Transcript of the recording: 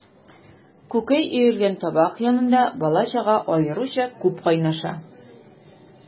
Күкәй өелгән табак янында бала-чага аеруча күп кайнаша.